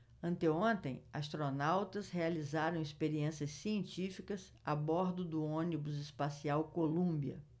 anteontem astronautas realizaram experiências científicas a bordo do ônibus espacial columbia